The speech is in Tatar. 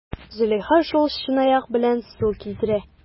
Зөләйха шул чынаяк белән су китерә.